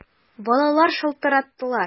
Балалар шалтыраттылар!